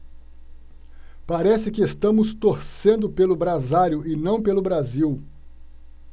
parece que estamos torcendo pelo brasário e não pelo brasil